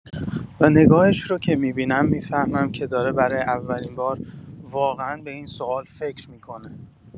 و نگاهش رو که می‌بینم، می‌فهمم که داره برای اولین بار واقعا به این سوال فکر می‌کنه.